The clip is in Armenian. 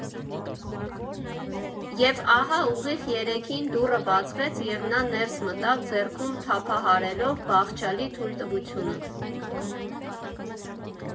Եվ ահա, ուղիղ երեքին, դուռը բացվեց և նա ներս մտավ՝ ձեռքում թափահարելով բաղձալի թույլտվությունը։